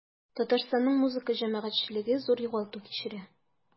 Татарстанның музыка җәмәгатьчелеге зур югалту кичерә.